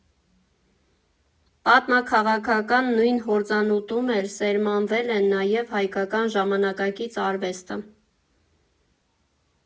Պատմաքաղաքական նույն հորձանուտում էլ սերմանվել է նաև հայկական Ժամանակակից արվեստը։